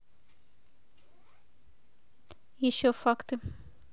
еще факты